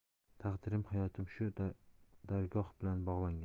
taqdirim hayotim shu dargoh bilan bog'langan